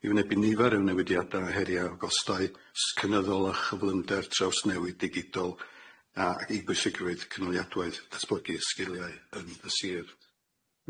i wynebu nifer o newidiada o heria o gostau s- cynyddol a chyflymder trawsnewid digidol a i bwysigrwydd canoliadwaidd datblygu sgiliau yn y sir.